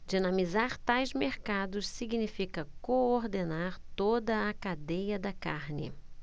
dinamizar tais mercados significa coordenar toda a cadeia da carne